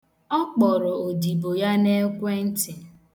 Ọ kpọrọ odibo ya n'ekwentị.